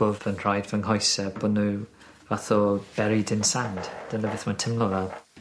bo' fy nhraed fy nghoesau bo' nw fath o burried in sand dyna beth ma'n timlo fel.